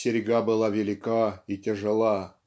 серьга была велика и тяжела".